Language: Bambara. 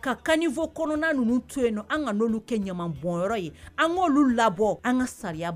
Ka kanfɔ kɔnɔna ka n kɛ bɔn ye an k'olu labɔ an ka